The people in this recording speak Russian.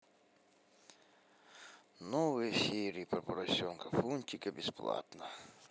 новые серии про поросенка фунтика бесплатно